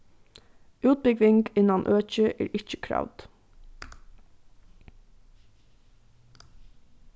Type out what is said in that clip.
útbúgving innan økið er ikki kravd